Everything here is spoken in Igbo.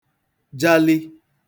jali